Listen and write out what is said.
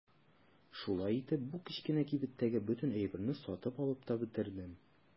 Шулай итеп бу кечкенә кибеттәге бөтен әйберне сатып алып та бетердем.